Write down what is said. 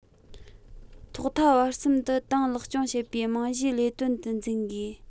ཐོག མཐའ བར གསུམ དུ ཏང ལེགས སྐྱོང བྱེད པའི རྨང གཞིའི ལས དོན དུ འཛིན དགོས